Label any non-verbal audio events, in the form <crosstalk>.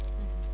<hesitation> <hesitation>